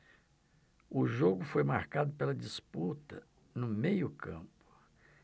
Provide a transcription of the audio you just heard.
o jogo foi marcado pela disputa no meio campo